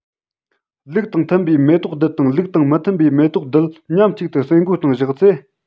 ལུགས དང མཐུན པའི མེ ཏོག རྡུལ དང ལུགས དང མི མཐུན པའི མེ ཏོག རྡུལ མཉམ གཅིག ཏུ ཟེ མགོའི སྟེང བཞག ཚེ